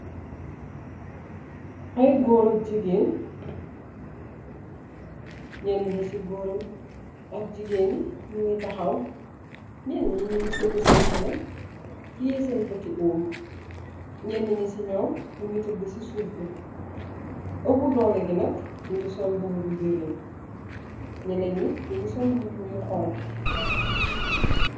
Aye goor ak jegain nyenenye se goor ye ak jegain ye nuge tahaw nyenenye nuge segeh sen kanam teyeh sen bote oum nyenenye se num nuge tede se suff be opu doleh ge nak nuge sol mubu bu green nyenennye nuge sol mubu yu hauhu.